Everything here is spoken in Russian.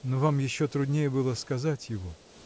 но вам еще труднее было сказать его.